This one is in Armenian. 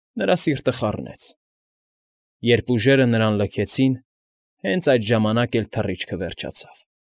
Նրա սիրտը խառնեց։ Երբ ուժերը նրան լքեցին, հենց այդ ժամանակ էլ թռիչքը վերջացավ։